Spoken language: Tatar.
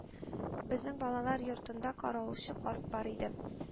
Безнең балалар йортында каравылчы карт бар иде